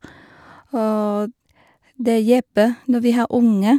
Og det hjelper når vi har unger.